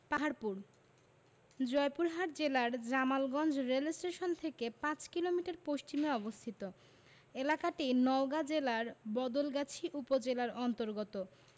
পাহাড়পুর জয়পুরহাট জেলার জামালগঞ্জ রেলস্টেশন থেকে ৫ কিলোমিটার পশ্চিমে অবস্থিত এলাকাটি নওগাঁ জেলার বদলগাছি উপজেলার অন্তর্গত